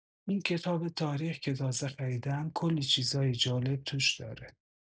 این کتاب تاریخ که تازه خریدم، کلی چیزای جالب توش داره.